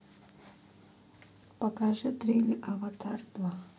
покажи трейлер аватар два